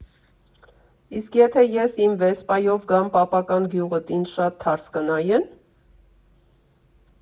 ֊ Իսկ եթե ես իմ «Վեսպայով» գամ պապական գյուղդ, ինձ շատ թարս կնայե՞ն։